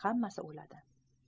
hammasi o'ladi